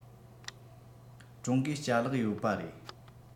ཀྲུང གོའི ལྕ ལག ཡོད པ རེད